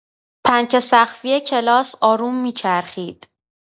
پنکه سقفی کلاس آروم می‌چرخید.